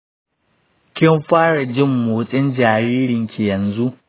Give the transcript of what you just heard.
kin fara jin motsin jaririnki yanzu?